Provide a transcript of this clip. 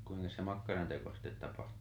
kuinkas se makkaranteko sitten tapahtuu